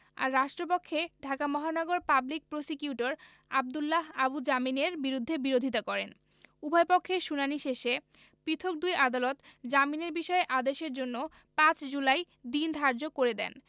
আর রাষ্ট্রপক্ষে ঢাকা মহানগর public prosecutor Abdullah Abu জামিনের বিরোধিতা করেন উভয়পক্ষের শুনানি শেষে পৃথক দুই আদালত জামিনের বিষয়ে আদেশের জন্য ৫ জুলাই দিন ধার্য করে দেন